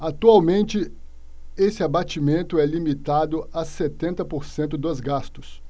atualmente esse abatimento é limitado a setenta por cento dos gastos